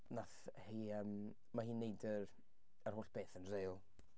Wnaeth hi yym... mae hi'n wneud yr yr holl beth yn real...